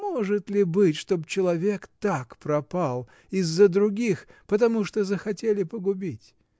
— Может ли быть, чтоб человек так пропал, из-за других, потому что захотели погубить?